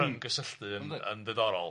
rhwng gysylltu yn yn ddiddorol.